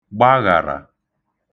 gbaghàrà